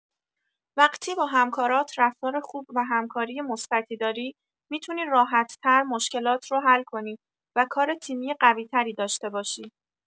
وقتی با همکارات رفتار خوب و همکاری مثبتی داری، می‌تونی راحت‌تر مشکلات رو حل کنی و کار تیمی قوی‌تری داشته باشی.